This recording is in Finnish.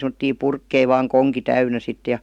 semmoisia purkkeja vain konki täynnä sitten ja